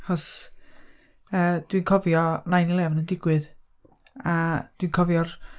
Achos, yy. Dwi'n cofio nine eleven yn digwydd, a dwi'n cofio'r...